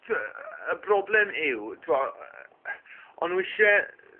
t'wo' y broblem yw t'wo' yy o'n n'w isie